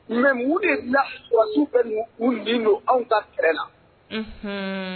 Mɛ u de bilasiw bɛ bin don anw ka fɛrɛ la